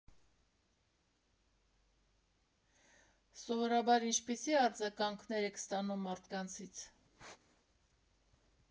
Սովորաբար ինչպիսի՞ արձագանքներ եք ստանում մարդկանցից։